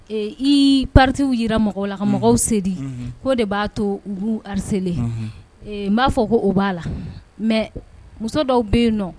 Ɛɛ i parties jira mɔgɔw la, ka mɔgɔw séduit ;Unhun ; ko de b'a to u b'u harceler ;Unhun ;Ɛɛ b'a fɔ ko o b'a la mais muso dɔw bɛ yen nɔ